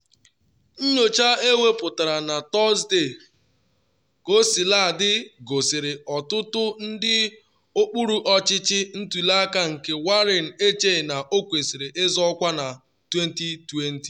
Nyocha ewepụtara na Tọsde, kosiladị, gosiri ọtụtụ ndị okpuru ọchịchị ntuli aka nke Warren echeghị na ọ kwesịrị ịzọ ọkwa na 2020.